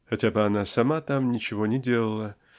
хотя бы она сама там ничего не делала